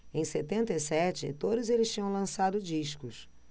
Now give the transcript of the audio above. em setenta e sete todos eles tinham lançado discos